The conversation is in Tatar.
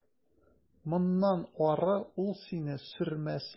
Моннан ары ул сине сөрмәс.